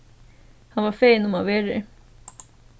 hann var fegin um at vera her